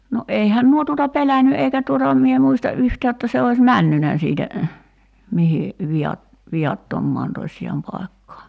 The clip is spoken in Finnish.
no eihän nuo tuota pelännyt eikä tuota en minä muista yhtään jotta se olisi mennyt siitä mihin - viattomaan tosiaan paikkaan